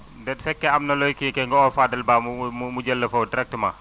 déet bu fekkee am na looy kii kay nga woo Fadel Ba mu mu jël la foofu directement